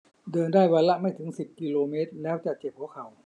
เดินได้วันละไม่ถึงสิบกิโลเมตรแล้วจะเจ็บหัวเข่า